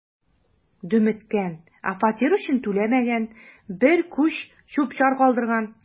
„дөмеккән, ә фатир өчен түләмәгән, бер күч чүп-чар калдырган“.